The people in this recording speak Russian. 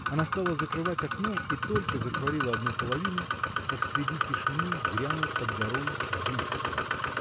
Она стала закрывать окно, и только затворила одну половину, как среди тишины грянул под горой выстрел.